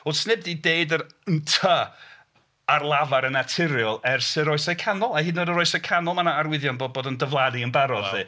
Wel 'sneb 'di deud yr ynt ar lafar yn naturiol ers yr Oesau Canol. A hyd yn oed yr Oesau Canol, ma' 'na arwyddion bod bod o'n diflannu yn barod 'lly... waw.